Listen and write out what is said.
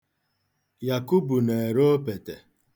Yakubu na-ere opete.